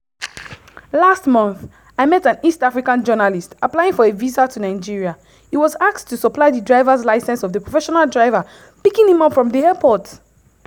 Last month, I met an East African journalist applying for a visa to Nigeria. He was asked to supply the driver's license of the professional driver picking him up from the airport!